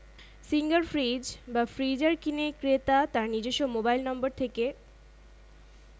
সংগৃহীত দৈনিক ইত্তেফাক ১০ই আশ্বিন ১৩৮৮ বঙ্গাব্দ পৃষ্ঠা ১